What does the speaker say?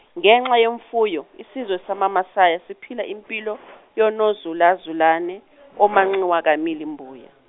ngenxa yemfuyo, isizwe samaMasayi siphila impilo, yonozulazulane, omanxiwa kamili mbuya.